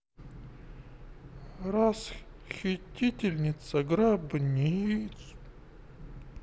расхитительница гробниц